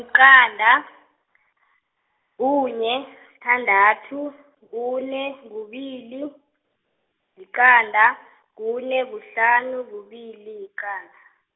yiqanda, kunye, sithandathu, kune, kubili, liqanda, kune, kuhlanu, kubili, yiqanda.